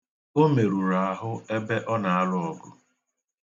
O merụrụ ahụ ebe ọ na-alụ ọgụ.